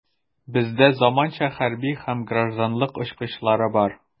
Бездә заманча хәрби һәм гражданлык очкычлары бар.